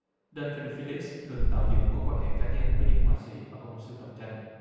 đơn con nờ phi líp thường tạo dựng mối quan hệ cá nhân với những họa sĩ mà ông sưu tập tranh